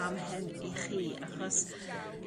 am hyn i chi achos